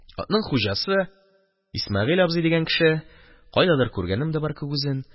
. атның хуҗасы – исмәгыйль абзый дигән кеше – кайдадыр күргәнем дә бар күк үзен.